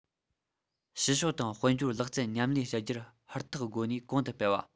ཕྱི ཕྱོགས དང དཔལ འབྱོར ལག རྩལ མཉམ ལས བྱ རྒྱུ ཧུར ཐག སྒོ ནས གོང དུ སྤེལ བ